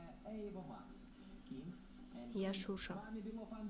я шуша